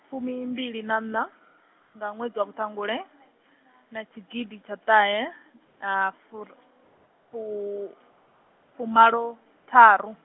fumimbili na nṋa, nga ṅwedzi wa vhu ṱhangule, na tshigiditshatahe- -fu-, -fu-, -fumalotharu.